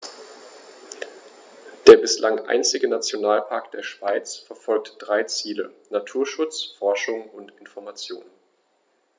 Der bislang einzige Nationalpark der Schweiz verfolgt drei Ziele: Naturschutz, Forschung und Information.